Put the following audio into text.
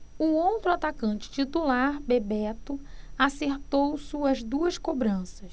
o outro atacante titular bebeto acertou suas duas cobranças